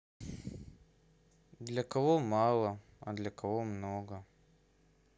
для кого мало а для кого много